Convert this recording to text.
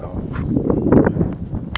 waaw waaw